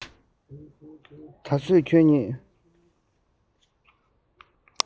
ད བཟོད ཁྱོད ཉིད